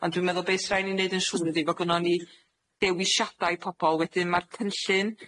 Ond dwi'n meddwl be' sy' rai' ni'n neud yn siŵr ydi bo' gynnon ni ddewisiada i pobol. Wedyn ma'r cynllun